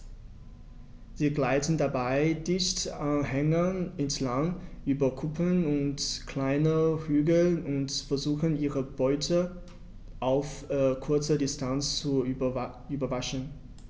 Sie gleiten dabei dicht an Hängen entlang, über Kuppen und kleine Hügel und versuchen ihre Beute auf kurze Distanz zu überraschen.